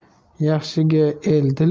yaxshiga el dil